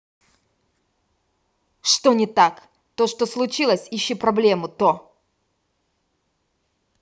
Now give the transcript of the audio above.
что не так то что случилось ищи проблему то